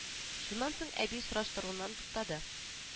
Шуннан соң әби сораштыруыннан туктады